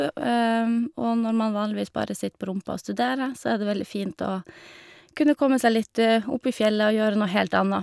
Og når man vanligvis bare sitter på rumpa og studerer så er det veldig fint å kunne komme seg litt opp i fjellet og gjøre noe helt anna.